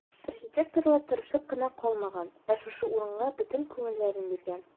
Архитекторлар тырышып кына калмаган, ә шушы урынга бөтен күңелләрен биргән.